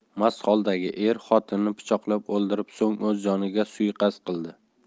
mast holdagi er xotinini pichoqlab o'ldirib so'ng o'z joniga suiqasd qildi